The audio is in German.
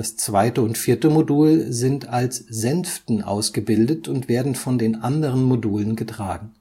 zweite und vierte Modul sind als Sänften ausgebildet und werden von den anderen Modulen getragen